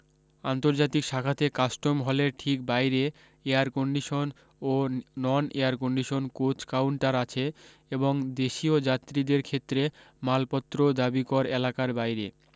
আন্তর্জাতিক শাখাতে কাস্টম হলের ঠিক বাইরে এয়ারকন্ডিসন ও নন এয়ারকন্ডিসন কোচ কাউন্টার আছে এবং দেশীয় যাত্রীদের ক্ষেত্রে মালপত্র দাবিকর এলাকার বাইরে